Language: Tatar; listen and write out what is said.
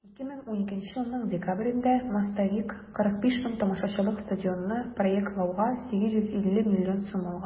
2012 елның декабрендә "мостовик" 45 мең тамашачылык стадионны проектлауга 850 миллион сум алган.